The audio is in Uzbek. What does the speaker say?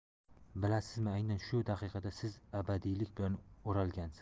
bilasizmi aynan shu daqiqada siz abadiylik bilan o'ralgansiz